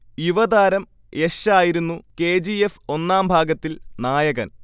യുവതാരം യഷായിരുന്നു K. G. F. ഒന്നാം ഭാഗത്തിൽ നായകന്‍